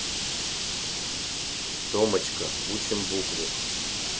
томочка учим буквы